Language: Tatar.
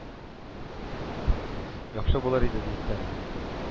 Яхшы булыр иде» ди сталин.